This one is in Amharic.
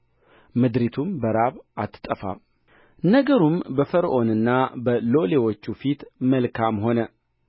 ምድሪቱም በራብ አትጠፋም ነገሩም በፈርዖንና በሎሌዎቹ ፊት መልካም ሆነ